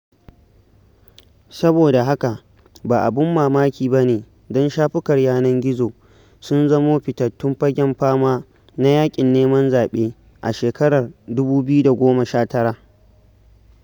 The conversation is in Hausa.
Saboda haka, ba abun mamaki ba ne don shafukan yanar gizo sun zamo fitattun fagen fama na yaƙin neman zaɓe a shekarar 2019.